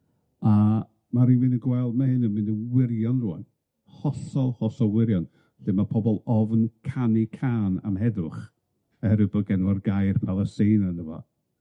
a ma' rywun yn gweld ma' hyn yn mynd yn wirion rŵan, hollol hollol wirion lle ma' pobol ofn canu cân am heddwch oherwydd bod genno fo'r gair Palesteina ynddo fo